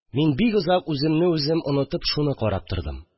Мин бик озак, үземне үзем онытып, шуны карап тордым